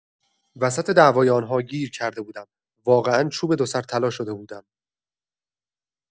وسط دعوای آن‌ها گیر کرده بودم، واقعا چوب دو سر طلا شده بودم.